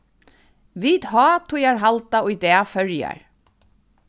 vit hátíðarhalda í dag føroyar